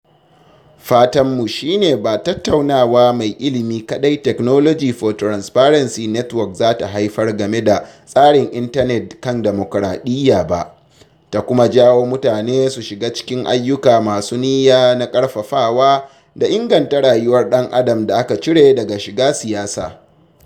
Fatanmu shi ne ba tattaunawa mai ilimi kaɗai Technology for Transparency Network za ta haifar game da tasirin Intanet kan dimokiradiyya ba, ta kuma jawo mutane su shiga cikin ayyuka masu niyya na ƙarfafawa da inganta rayuwar ɗan adam da aka cire daga shiga siyasa.